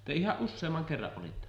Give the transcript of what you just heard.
te ihan useamman kerran olitte